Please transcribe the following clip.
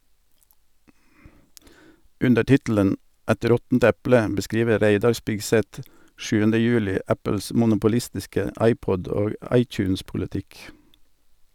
Under tittelen "Et råttent eple" beskriver Reidar Spigseth 7. juli Apples monopolistiske iPod- og iTunes-politikk.